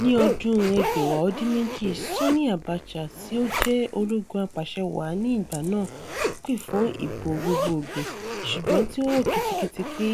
Ní ọdún 1998, Sani Abacha, tí ó jẹ́ ológun apàṣẹwàá ní ìgbà náà, pè fún ìbò gbogboògbò ṣùgbọ́n tí ó hàn ketekete pé